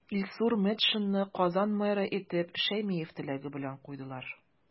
Илсур Метшинны Казан мэры итеп Шәймиев теләге белән куйдылар.